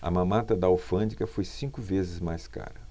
a mamata da alfândega foi cinco vezes mais cara